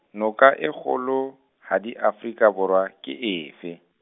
noka e kgolo hadi Afrika Borwa, ke efe?